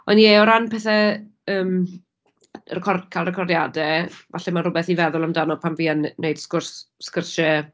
Ond ie, o ran pethe, ymm recor- cael recordiadau, falle mae rywbeth i feddwl amdano pan fi yn wneud sgwrs, sgrysiau.